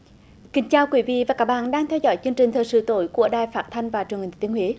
kính chào quý vị và các bạn đang theo dõi chương trình thời sự tối của đài phát thanh và truyền hình thừa thiên huế